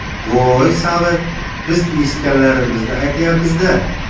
voy savil biz eshitganlarimizni aytamiz da